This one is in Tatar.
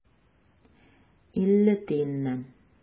Илле тиеннән.